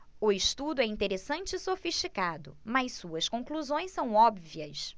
o estudo é interessante e sofisticado mas suas conclusões são óbvias